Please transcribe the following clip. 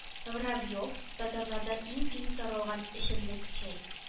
Воробьев: Татарларда иң киң таралган эчемлек чәй